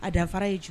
A dafara ye cogo